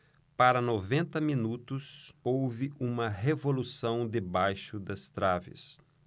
para noventa minutos houve uma revolução debaixo das traves